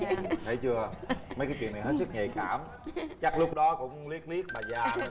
thấy chưa mấy cái chuyện này hết sức nhạy cảm chắc lúc đó cũng liếc liếc bà già